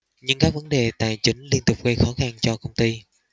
nhưng các vấn đề tài chính liên tục gây khó khăn cho công ty